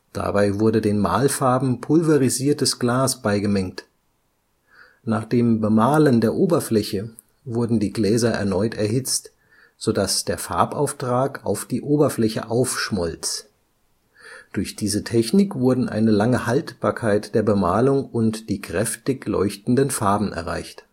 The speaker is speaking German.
Dabei wurde den Malfarben pulverisiertes Glas beigemengt. Nach dem Bemalen der Oberfläche wurden die Gläser erneut erhitzt, sodass der Farbauftrag auf die Oberfläche aufschmolz. Durch diese Technik wurden eine lange Haltbarkeit der Bemalung und die kräftig leuchtenden Farben erreicht